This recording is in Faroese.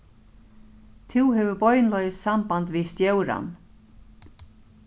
tú hevur beinleiðis samband við stjóran